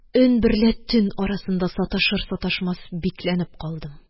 Өн берлә төн арасында саташыр-саташмас бикләнеп калдым.